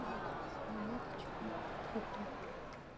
монеточка ютуб